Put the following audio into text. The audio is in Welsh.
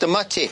Dyma ti.